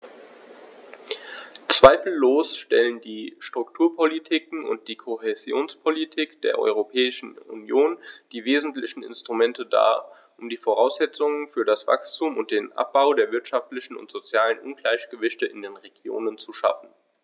Zweifellos stellen die Strukturpolitiken und die Kohäsionspolitik der Europäischen Union die wesentlichen Instrumente dar, um die Voraussetzungen für das Wachstum und den Abbau der wirtschaftlichen und sozialen Ungleichgewichte in den Regionen zu schaffen.